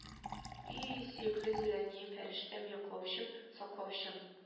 И-и сөекле зурәнием фәрештәм яклаучым саклаучым